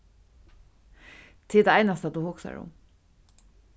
tað er tað einasta tú hugsar um